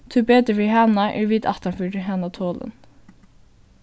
tíbetur fyri hana eru vit aftanfyri hana tolin